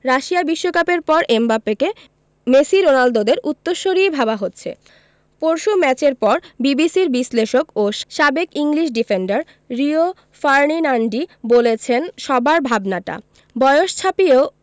Russia বিশ্বকাপের পর এমবাপ্পেকে মেসি রোনালদোদের উত্তরসূরিই ভাবা হচ্ছে পরশু ম্যাচের পর বিবিসির বিশ্লেষক ও সাবেক ইংলিশ ডিফেন্ডার রিও ফার্ডিনান্ডই বলেছেন সবার ভাবনাটা বয়স ছাপিয়েও